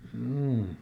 juu